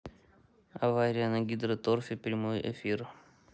авария на гидроторфе прямой эфир